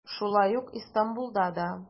Шулай ук Истанбулда да.